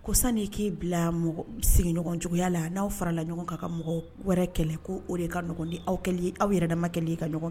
Ko sani k'i bila mɔgɔ sigiɲɔgɔn juguyaya la n'aw farala ɲɔgɔn ka ka mɔgɔ wɛrɛ kɛlɛ ko o de ka ɲɔgɔn di aw aw yɛrɛdama makɛ i ka ɲɔgɔn